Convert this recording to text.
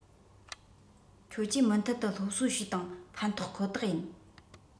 ཁྱོད ཀྱིས མུ མཐུད དུ སློབ གསོ བྱོས དང ཕན ཐོགས ཁོ ཐག ཡིན